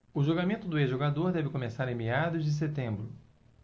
o julgamento do ex-jogador deve começar em meados de setembro